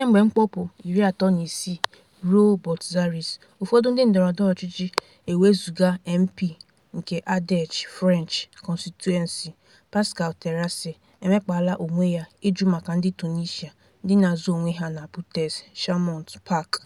kemgbe mkpopu 36 rue Botzaris, ụfọdụ ndị ndọrọndọrọ ọchịchị, ewezuga MP nkeArdèche French Constituency, Pascal Terrasse – emekpala onwe ya ịjụ maka ndị Tunisia ndị na-azọ onwe ha na Buttes Chaumont Park.